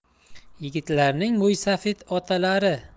yigitlarning mo'ysafid otalari